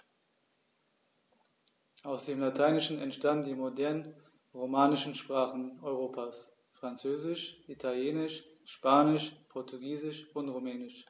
Aus dem Lateinischen entstanden die modernen „romanischen“ Sprachen Europas: Französisch, Italienisch, Spanisch, Portugiesisch und Rumänisch.